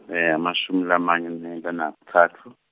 ngamashumi lamane nentfo nakutsatfu.